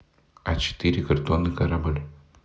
а четыре картонный корабль